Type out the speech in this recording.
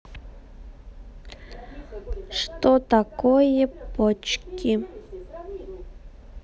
что такое почки